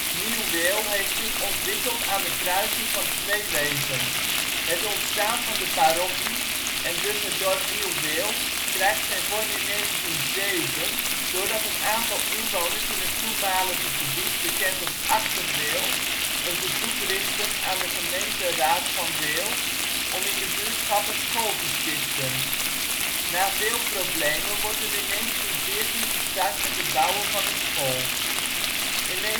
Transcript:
Nieuw-Wehl heeft zich ontwikkeld aan de kruising van 2 wegen. Het ontstaan van de parochie en dus het dorp Nieuw-Wehl krijgt zijn vorm in 1907 doordat een aantal inwoners in het toenmalige gebied bekend als Achter-Wehl een verzoek richten aan de gemeenteraad van Wehl om in de buurtschap een school te stichten. Na veel problemen wordt er in 1914 gestart met het bouwen van een school. In 1921